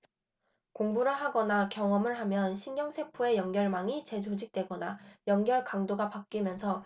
공부를 하거나 경험을 하면 신경세포의 연결망이 재조직되거나 연결 강도가 바뀌면서 기억이나 판단 능력이 생긴다